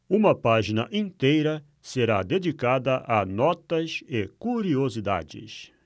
uma página inteira será dedicada a notas e curiosidades